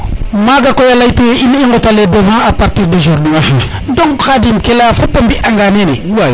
maga koy a leytu ye i ngota les devant a partir d' aujourd' huit donc khadim ke leyaa fop a mbi anga nene